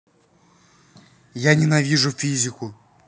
я ненавижу физику